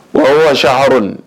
Wa wa hr